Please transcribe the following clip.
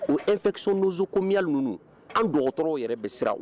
U efɛsɔnondozo ko miya ninnu aw dugawu dɔgɔtɔrɔw yɛrɛ bɛsira